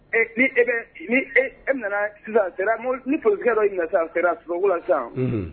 Ni e bɛ e nana sisan ni pkɛ dɔ kɛra sula san